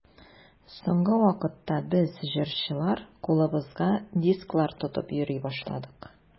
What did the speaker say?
Соңгы вакытта без, җырчылар, кулыбызга дисклар тотып йөри башладык.